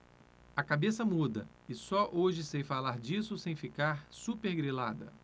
a cabeça muda e só hoje sei falar disso sem ficar supergrilada